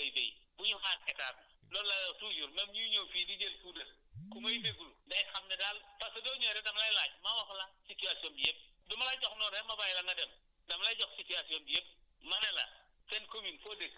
donc dèjà dañu lay jàngal ni ngay aaree sa produit bi nga xam ne ne moom ngay béy bu ñu xaar état bi loolu la toujours même ñuy ñëw fii dijël puudar ku may dééglu day xam ne daal parce que boo ñëwee rek dama lay laaj ma wax la situation bi yëpp du ma lay jox noonu rek ma bàyyi la nga dem dama lay jox siuation bi yëpp ma ne la seen commune foo dëkk